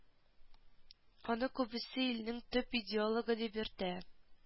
Аны күбесе илнең төп идеологы дип йөртә